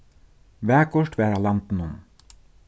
vakurt var á landinum